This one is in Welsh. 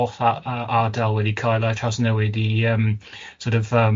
holl a- a- ardal wedi cael ei trawsnewid i yym sort of yym